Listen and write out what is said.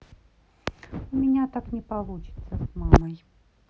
у меня так не получится с мамой